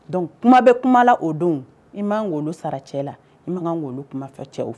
Dɔnku kuma bɛ kuma la o don i m b'an ŋgolo sara cɛ la i m' kan ŋ kuma fɛ cɛw fɛ